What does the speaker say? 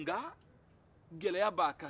nka gɛlɛya b'a kan